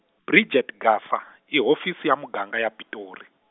Bridget Gasa, i hofisi ya muganga ya Pitori.